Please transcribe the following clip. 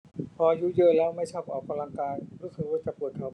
พออายุเยอะแล้วไม่ชอบออกกำลังกายรู้สึกว่าจะปวดเข่าบ่อยขึ้น